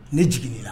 Ne jigin' la